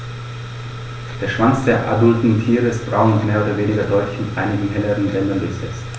Der Schwanz der adulten Tiere ist braun und mehr oder weniger deutlich mit einigen helleren Bändern durchsetzt.